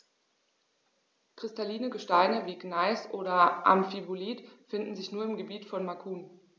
Kristalline Gesteine wie Gneis oder Amphibolit finden sich nur im Gebiet von Macun.